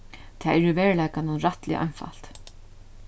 tað er í veruleikanum rættiliga einfalt